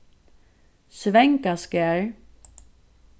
svangaskarð